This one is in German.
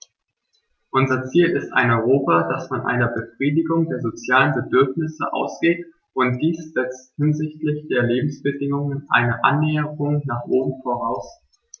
Unser Ziel ist ein Europa, das von einer Befriedigung der sozialen Bedürfnisse ausgeht, und dies setzt hinsichtlich der Lebensbedingungen eine Annäherung nach oben voraus.